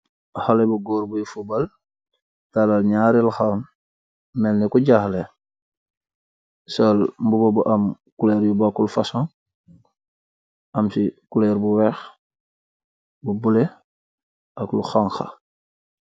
Xale bu gór buy fubal talal ñaari loxom melni ku jaaxle sol mbubu bu am kulor yu bokkul fasong am ci kulor bu wèèx bu bula ak lu xonxu.